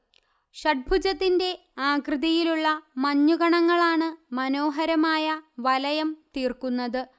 ഷഡ്ഭുജത്തിന്റെ ആകൃതിയിലുള്ള മഞ്ഞുകണങ്ങളാണ് മനോഹരമായ വലയം തീർക്കുന്നത്